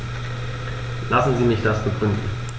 Lassen Sie mich das begründen.